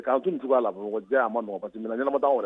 Tun b'a lajɛ a ma mɔgɔma